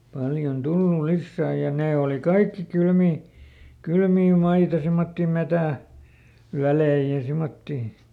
paljon tullut lisää ja ne oli kaikki kylmiä kylmiä maita semmoisia - metsänvälejä ja semmoisia